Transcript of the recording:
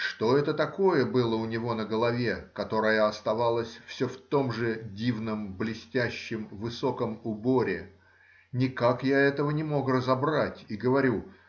Что это такое было у него на голове, которая оставалась все в том же дивном, блестящем, высоком уборе,— никак я этого не мог разобрать, и говорю